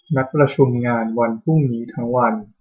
นัดประชุมงานวันพรุ่งนี้ทั้งวัน